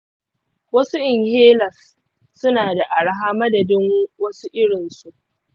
wasu inhalers suna da araha madadin wasu irinsu.